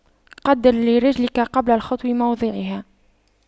قَدِّرْ لِرِجْلِكَ قبل الخطو موضعها